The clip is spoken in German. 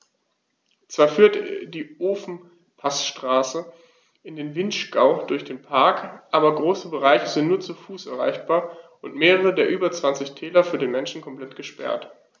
Zwar führt die Ofenpassstraße in den Vinschgau durch den Park, aber große Bereiche sind nur zu Fuß erreichbar und mehrere der über 20 Täler für den Menschen komplett gesperrt.